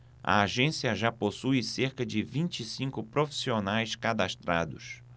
a agência já possui cerca de vinte e cinco profissionais cadastrados